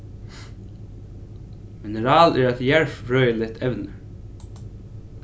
mineral er eitt jarðfrøðiligt evni